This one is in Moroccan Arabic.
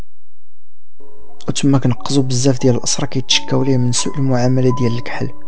سمك القضيب بالزيت يا الاصفر كشكوليه من المعامله ديا